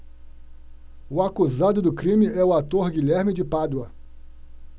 o acusado do crime é o ator guilherme de pádua